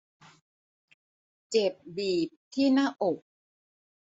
เจ็บบีบที่หน้าอก